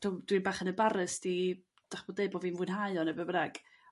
dw'm... Dwi'n bach yn embarrased i 'dych 'bo' d'eu' bo' fi'n mwynhau o ne' be' bynnag.